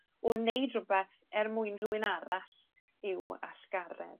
o neud rhwbeth er mwyn rhywun arall yw allgaredd.